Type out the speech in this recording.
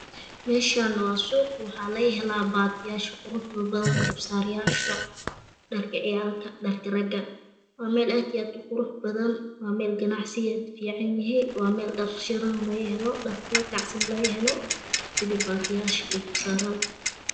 Meeshana waa suuq waxaa laga helaa baatiyaasha garba sarayasha dharka ciyalka dharka raga waa meel aad iyo aad uqurux badan waa meel ganacsigeda fiicnyahay wàa meel dharshidan laga helo dhar kalakacsan laga helo sida baatiyasha